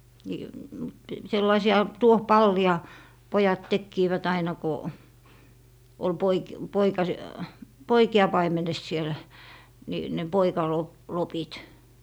niin mutta sellaisia tuohipalleja pojat tekivät aina kun oli -- poikia paimenessa siellä niin ne - poikalopit